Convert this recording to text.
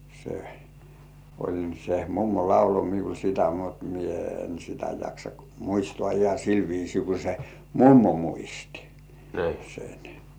se oli se mummo lauloi minulle sitä mutta minä en sitä jaksa muistaa ihan sillä viisiin kuin se mummo muisti sen